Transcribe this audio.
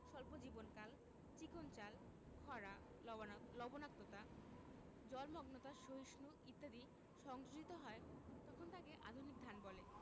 স্বল্প জীবনকাল চিকন চাল খরা লবনা লবনাক্ততা জলমগ্নতা সহিষ্ণু ইত্যাদি সংযোজিত হয় তখন তাকে আধুনিক ধান বলে